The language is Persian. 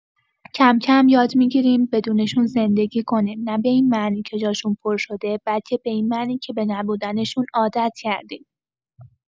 کم‌کم یاد می‌گیریم بدونشون زندگی کنیم، نه به این معنی که جاشون پر شده، بلکه به این معنی که به نبودنشون عادت کردیم.